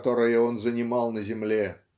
которое он занимал на земле